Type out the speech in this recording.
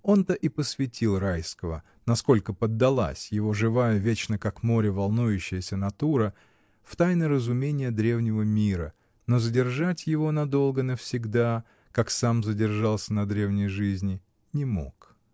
Он-то и посвятил Райского, насколько поддалась его живая, вечно, как море, волнующаяся натура, в тайны разумения древнего мира, но задержать его надолго, навсегда, как сам задержался на древней жизни, не мог.